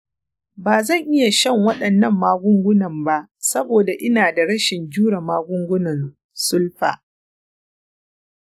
ba zan iya shan waɗannan magungunan ba saboda ina da rashin jure magungunan sulfa.